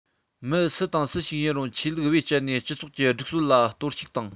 མི སུ དང སུ ཞིག ཡིན རུང ཆོས ལུགས བེད སྤྱད ནས སྤྱི ཚོགས ཀྱི སྒྲིག སྲོལ ལ གཏོར བཤིག དང